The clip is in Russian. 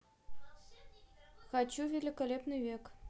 хочу великолепный век